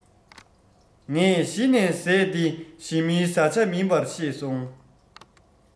ངས གཞི ནས ཟས འདི ཞི མིའི བཟའ བྱ མིན པ ཤེས སོང